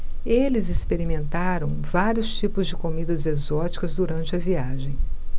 eles experimentaram vários tipos de comidas exóticas durante a viagem